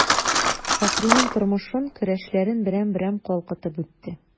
Фәхринең тормышын, көрәшләрен берәм-берәм калкытып үтте.